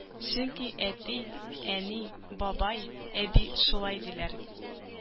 Чөнки әти, әни, бабай, әби шулай диләр.